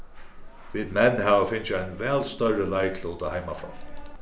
vit menn hava fingið ein væl størri leiklut á heimafrontinum